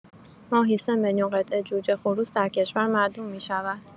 ماهی ۳ میلیون قطعه جوجه خروس در کشور معدوم می‌شود.